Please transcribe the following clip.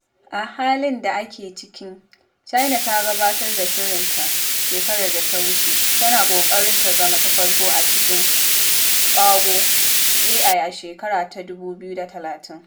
A halin da ake cikin, China ta gabatar da shirinta shekarar da ta wuce: tana ƙoƙarin ta zama ta farko a cikin ƙago AI a shekara ta 2030.